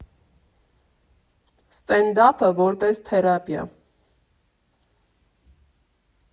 Ստենդափը՝ որպես թերապիա։